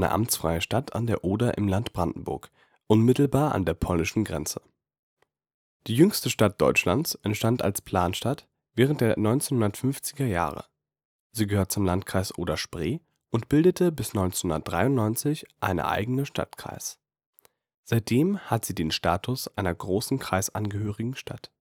amtsfreie Stadt an der Oder im Land Brandenburg, unmittelbar an der polnischen Grenze. Die jüngste Stadt Deutschlands entstand als Planstadt während der 1950er Jahre. Sie gehört zum Landkreis Oder-Spree und bildete bis 1993 einen eigenen Stadtkreis. Seitdem hat sie den Status einer Großen kreisangehörigen Stadt